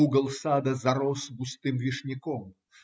Угол сада зарос густым вишняком